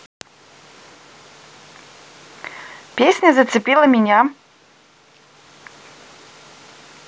песня зацепила меня